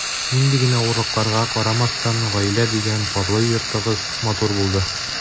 Нинди генә авырлыкларга карамастан, “гаилә” дигән парлы йортыгыз матур булды.